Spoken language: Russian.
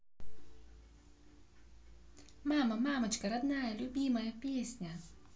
мама мамочка родная любимая песня